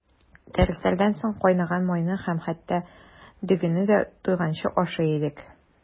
Дәресләрдән соң кайнаган майны һәм хәтта дөгене дә туйганчы ашый идек.